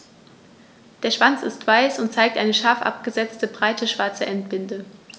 Der Schwanz ist weiß und zeigt eine scharf abgesetzte, breite schwarze Endbinde.